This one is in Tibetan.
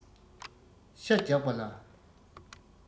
ཤ རྒྱགས པ ལ